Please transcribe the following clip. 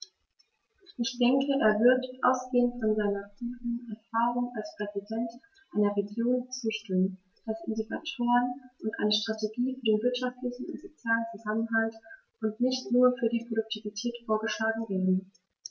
Ich denke, er wird, ausgehend von seiner früheren Erfahrung als Präsident einer Region, zustimmen, dass Indikatoren und eine Strategie für den wirtschaftlichen und sozialen Zusammenhalt und nicht nur für die Produktivität vorgeschlagen werden.